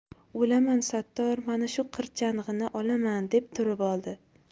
o'laman sattor mana shu qirchang'ini olaman deb turib oldi